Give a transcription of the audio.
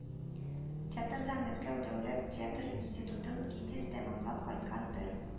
Театрда мәскәү дәүләт театр институтын (гитис) тәмамлап кайткан бер